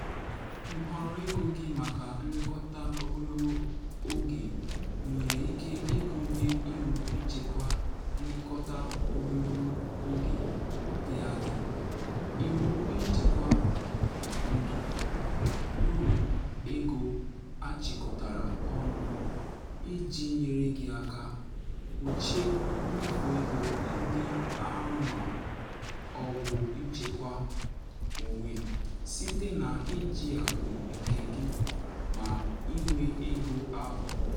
Nhọrọ ego gị maka nlekọta ogologo oge nwere ike ịgụnye iwu nchekwa nlekọta ogologo oge dị adị, iwu nchekwa ndụ uru-ego achịkọtara ọnụ iji nyere gị aka kpuchie mmefu ego ndị a ma ọ bụ nchekwa-onwe site na iji akụ nke gị - ma ị nwee ego ahụ.